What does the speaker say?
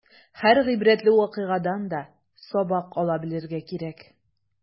Һәр гыйбрәтле вакыйгадан да сабак ала белергә кирәк.